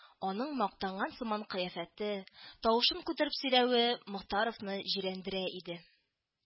Аның мактанган сымак кыяфәте, тавышын күтәреп сөйләве Мохтаровны җирәндерә иде